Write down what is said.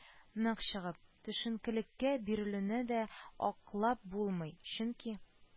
Нан чыгып, төшенкелеккә бирелүне дә аклап булмый, чөнки